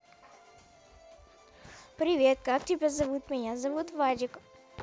привет как тебя зовут меня зовут вадик